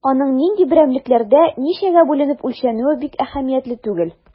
Аның нинди берәмлекләрдә, ничәгә бүленеп үлчәнүе бик әһәмиятле түгел.